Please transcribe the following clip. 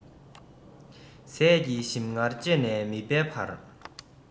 ཟས ཀྱི ཞིམ མངར ལྕེ ནས མིད པའི བར